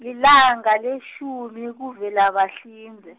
lilanga letjhumi kuVelabahlinze.